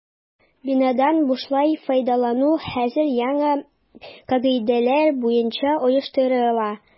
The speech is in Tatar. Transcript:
Бинадан бушлай файдалану хәзер яңа кагыйдәләр буенча оештырыла.